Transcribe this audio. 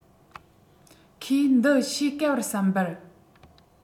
ཁོས འདི ཕྱེ དཀའ བར བསམ པར